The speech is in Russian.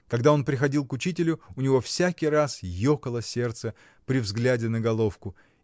Когда он приходил к учителю, у него всякий раз ёкало сердце при взгляде на головку.